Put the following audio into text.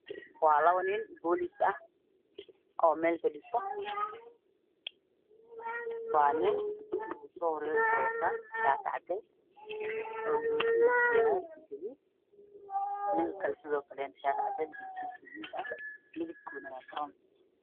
Waa labo nin boolis ah oo mel fadhisa waa nin uso horeeyo wuxu wataa shati cadees oo gulusihisa yahay gadud ninka kale shati cadan iyo suud gadud ah